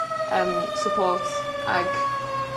yym support ag